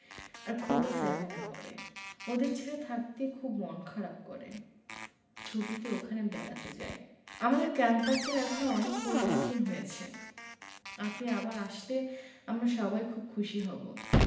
আর খোকা সেভেন এ পড়ে ওদের ছেড়ে থাকতে খুব মন খারাপ করে ছুটিতে ওখানে বেড়াতে যাই আমাদের ক্যাম্পাসের এখন অনেক পরিবর্তন হয়েছে আপনি আবার আসলে আমরা সবাই খুব খুশি হব